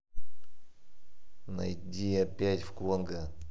найди опять в конго